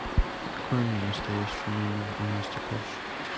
какой настоящий номер у насти корж